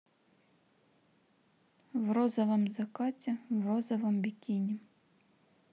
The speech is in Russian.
в розовом закате в розовом бикини